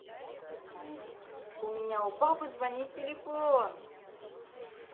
у меня у папы звонит телефон